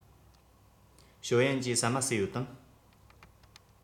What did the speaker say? ཞའོ ཡན གྱིས ཟ མ ཟོས ཡོད དམ